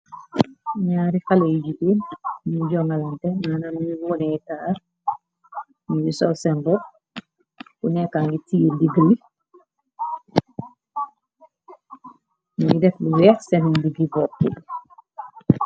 ñaari xaleyi jigeen mu jonalante nanam mi monetaar mbi sow seen ropp bu nekka ngi tiir digai ngi def bu weex seen ndiggi bopp